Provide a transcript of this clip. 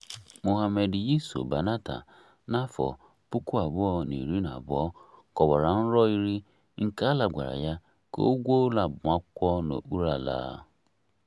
Mohammed Yiso Banatah n'afọ 2012 kọwara nrọ iri nke Allah gwara ya ka ọ gwuo ụlọ agbamakwụkwọ n'okpuru ala.